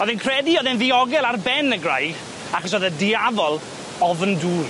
O'dd e'n credu o'dd e'n ddiogel ar ben y graig, achos oedd y diafol ofn dŵr.